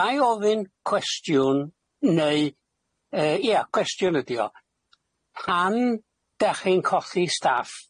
Ga i ofyn cwestiwn neu yy ia cwestiwn ydi o pan dach chi'n colli staff